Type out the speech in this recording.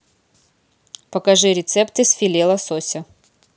покажи рецепты с филе лосося